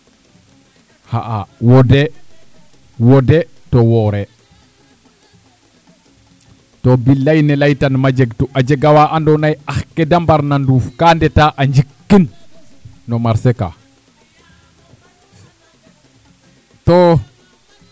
xa'aa wodee wodee to wooree to bilaay ne laytanma ajegtu a jega waa andoona yee ax ke de mbarna nduuf ka ndeta a njikkin no marcher kaa too